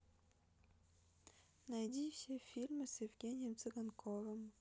найди все фильмы с евгением цыганковым